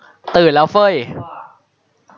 ตื่นแล้วเฟ้ย